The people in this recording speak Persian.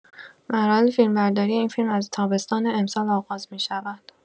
مراحل فیلمبرداری این فیلم از تابستان امسال آغاز می‌شود.